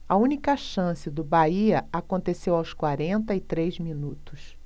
a única chance do bahia aconteceu aos quarenta e três minutos